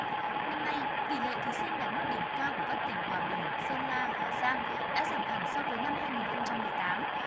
năm nay tỷ lệ thí sinh đạt mức điểm cao của các tỉnh hòa bình sơn la hà giang đã giảm hẳn so với năm hai nghìn không trăm mười tám